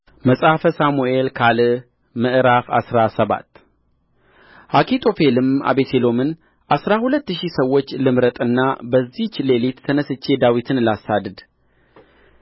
መጽሐፈ ሳሙኤል ካል ምዕራፍ አስራ ሰባት አኪጦፌልም አቤሴሎምን አሥራ ሁለት ሺህ ሰዎች ልምረጥና አኪጦፌልም በዚህች ሌሊት ተነሥቼ ዳዊትን ላሳድድ